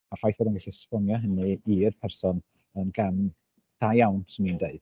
Ma'r ffaith bod o'n gallu esbonio hynny i'r person yn gam da iawn 'swn i'n deud.